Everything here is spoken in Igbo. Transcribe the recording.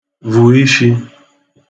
vu ishi